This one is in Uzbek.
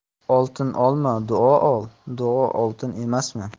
oltin olma duo ol duo oltin emasmi